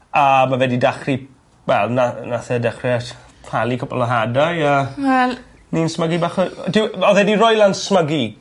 A ma' fe 'di dachri wel na' nath e dechre tsy- palu cwpwl o hadau a... Wel. ...ni'n smygu bach o we dyw... Odd e 'di roi lan smygu